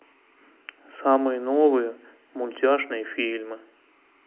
самые новые мультяшные фильмы